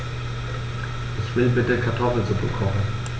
Ich will bitte Kartoffelsuppe kochen.